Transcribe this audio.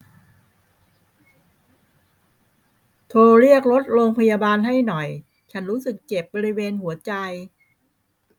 โทรเรียกรถโรงพยาบาลให้หน่อยฉันรู้สึกเจ็บบริเวณหัวใจ